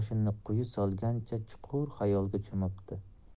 solgancha chuqur xayolga cho'mibdi